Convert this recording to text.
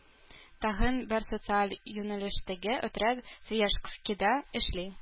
Тагын бер социаль юнәлештәге отряд Свияжскида эшли